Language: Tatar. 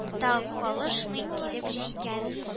Та калышмый килеп җиткән